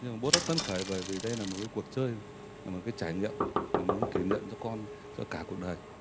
nhưng bố rất phấn khởi bởi vì đây là một cái cuộc chơi là một cái trải nghiệm là một cái kỷ niệm cho con cho cả cuộc đời